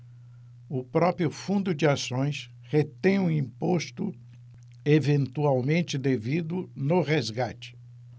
o próprio fundo de ações retém o imposto eventualmente devido no resgate